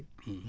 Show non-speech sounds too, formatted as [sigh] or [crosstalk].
[hesitation] [hesitation]